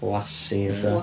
Lassie ella?